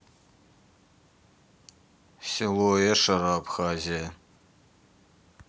село эшера абхазия